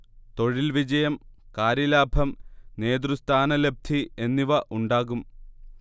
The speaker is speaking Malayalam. തൊഴിൽ വിജയം, കാര്യലാഭം, നേതൃസ്ഥാനലബ്ധി എന്നിവ ഉണ്ടാകും